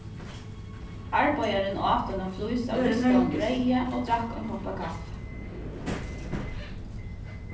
arbeiðarin át eina flís av ristaðum breyði og drakk ein kopp av kaffi